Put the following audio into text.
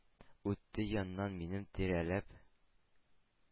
Үтте яннан, минем тирәләп.